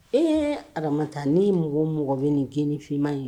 Ee hata ni mɔgɔ mɔgɔ bɛ nin g nifinima ye